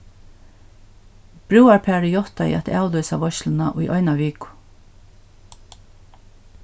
brúðarparið játtaði at avlýsa veitsluna í eina viku